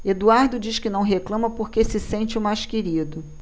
eduardo diz que não reclama porque se sente o mais querido